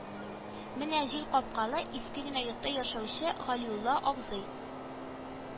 Менә җил капкалы, иске генә йортта яшәүче Галиулла абзый